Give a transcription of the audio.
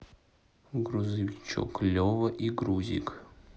грузовичок лева и грузик